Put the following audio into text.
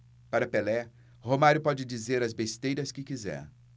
para pelé romário pode dizer as besteiras que quiser